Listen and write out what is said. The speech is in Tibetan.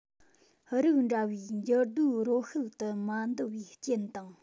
རིགས འདྲ བའི འགྱུར རྡོའི རོ ཤུལ དུ མ འདུ བའི རྐྱེན དང